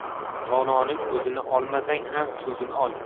dononing o'zini olmasang ham so'zini ol